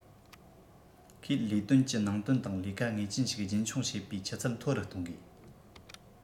ཁོས ལས དོན གྱི ནང དོན དང ལས ཀ ངེས ཅན ཞིག རྒྱུན འཁྱོངས བྱེད པའི ཆུ ཚད མཐོ རུ གཏོང དགོས